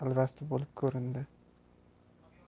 alvasti bo'lib ko'rindi